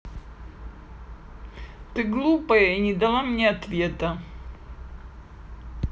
ты глупая и не дала мне ответа